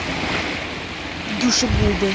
душегубы